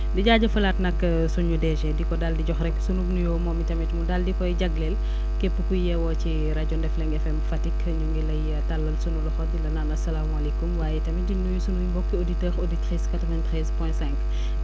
di jaajëfalaat nag suñu DG di ko daal di jox rek sunu nuyoo moom itamit mu daal di koy jagleel képp kuy yeewoo ci rajo Ndefleng FM Fatick ñu ngi lay tàllal sunu loxo di la naan asalaamaaleykum waaye tamit di nuyu suñu mbokki auditeurs auditrices 93 point 5